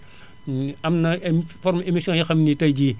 am na emi forme émission yoo xam ne ni tey jii